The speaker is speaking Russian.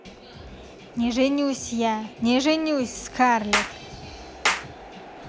не женюсь я не женюсь скарлетт